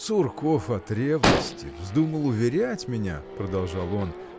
– Сурков от ревности вздумал уверять меня – продолжал он